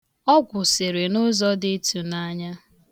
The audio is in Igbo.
Ọ gwụsịrị n' ụzọ dị ịtụnanaya.